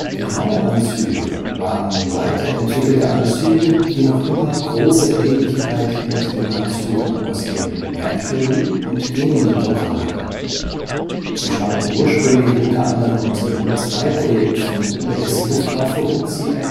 Die Raumanzüge waren weiterentwickelte Anzüge, die noch immer große Ähnlichkeit mit den Anzügen aus dem Mercury - und Gemini-Programm hatten. Sie stammten ursprünglich u. a. aus dem U-2-Projekt von US-Luftwaffe und CIA